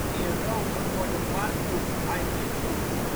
In Rome worden Marcus Aemilius